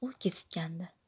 u kechikkandi